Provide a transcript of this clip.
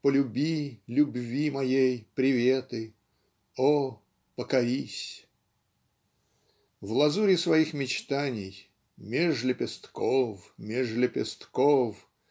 полюби любви моей приветы О покорись! В лазури своих мечтаний "меж лепестков меж лепестков"